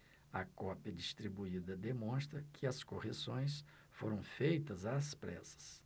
a cópia distribuída demonstra que as correções foram feitas às pressas